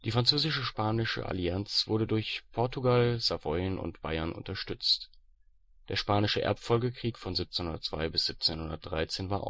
französisch-spanische Allianz wurde durch Portugal, Savoyen und Bayern unterstützt. Der Spanische Erbfolgekrieg (1702 – 1713) war ausgelöst